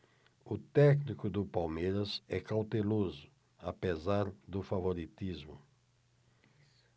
o técnico do palmeiras é cauteloso apesar do favoritismo